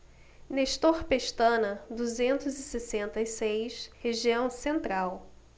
nestor pestana duzentos e sessenta e seis região central